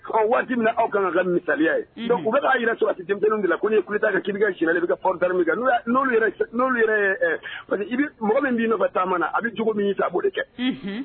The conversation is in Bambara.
Ɔ waati min na aw kan ka kɛ misaliya ye, unhun, donc u bɛ k'a jira sɔrɔdasidenmisɛnninw de la ko n'i ye coup d'Etat i bɛ kɛ général i bɛ kɛ corp d'armée ye n'olu yɛrɛ parce que i bɛ mɔgɔ min b'i nɔfɛ taama na a b'i jogo min y'i fɛ a b'o de kɛ, unhun